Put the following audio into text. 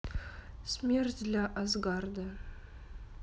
смерть для азгарда